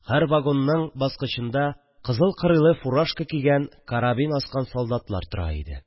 Һәр вагонның баскычында кызыл кырыйлы фуражка кигән, карабин аскан солдатлар тора иде